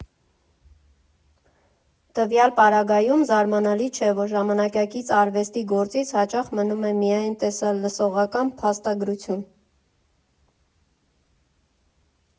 Տվյալ պարագայում զարմանալի չէ, որ ժամանակակից արվեստի «գործից» հաճախ մնում է միայն տեսա֊լսողական փաստագրություն.